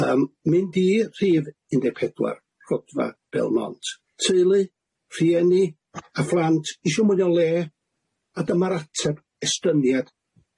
yym mynd i rhif un deg pedwar rhodfa Belmont teulu rhieni a phlant isio mwynio le a dyma'r ateb estyniad